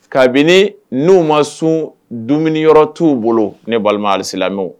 Kabini n'u ma sun dumuniyɔrɔ t'u bolo ne balima alisilamɛw